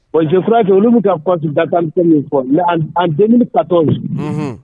Bon jokurajɛ olu bɛ ka pa da tante an denmisɛnnin katɔ ye